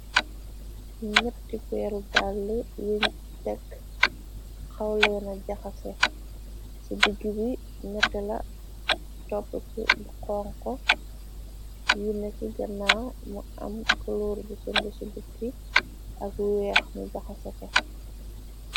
Nyetti peeru dalla yuñ tekk xawleena jaxase ci dijju gi nette la topp ci bu konko yi na ci gannaaw mu am kluur bi si ngu ci dukki ak wéex mi jaxase ko.